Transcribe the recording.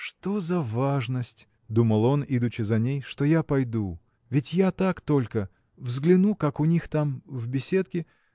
Что ж за важность, – думал он, идучи за ней, – что я пойду? ведь я так только. взгляну, как у них там, в беседке.